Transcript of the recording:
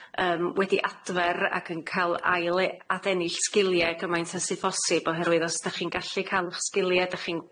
Yym wedi adfer, ac yn ca'l ail e- adennill sgilie cymaint â sydd bosib, oherwydd os dach chi'n gallu ca'l 'ych sgilie dach chi'n